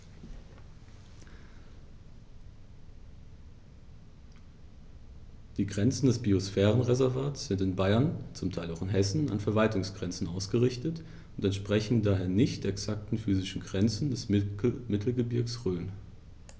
Die Grenzen des Biosphärenreservates sind in Bayern, zum Teil auch in Hessen, an Verwaltungsgrenzen ausgerichtet und entsprechen daher nicht exakten physischen Grenzen des Mittelgebirges Rhön.